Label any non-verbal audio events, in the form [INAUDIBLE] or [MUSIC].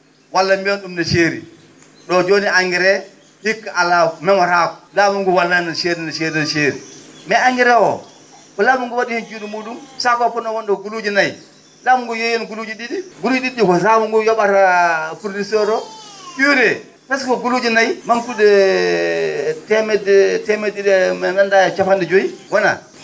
walla mbiyon ?um no seeri ?o jooni engrais hikka alaa meemotaako laamu ngu wallaani no seeri no seeri no seeri mais engrais o ko laamu nguu wa?i heen juu?e muu?um sac o fotnoo wonde ko guluuje nayi laamu ngu yeehi en guluuje ?i?i guluuje ?i?i ko laamu ngu yo?ata fournisseur o UREE presque ko guluuje nayi ma?ku?e [HESITATION] teemedde teme?e ?i?i e me nganndu?aa e capan?e joyi wonaa